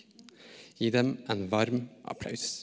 gi dem en varm applaus!